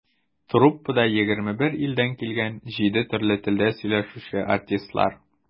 Труппада - 21 илдән килгән, җиде төрле телдә сөйләшүче артистлар.